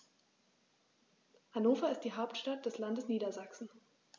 Hannover ist die Hauptstadt des Landes Niedersachsen.